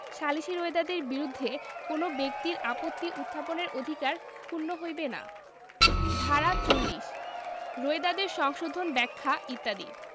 সালিসী রোয়েদাদের বিরুদ্ধে কোন ব্যক্তির আপত্তি উত্থাপনের অধিকার ক্ষুন্ন হইবে না ধারা ৪০ রোয়েদাদের সংশোধন ব্যাখ্যা ইত্যাদি